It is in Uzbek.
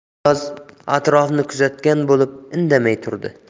niyoz atrofni kuzatgan bo'lib indamay turdi